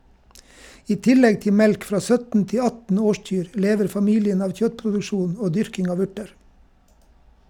I tillegg til melk fra 17-18 årskyr, lever familien av kjøttproduksjon og dyrking av urter.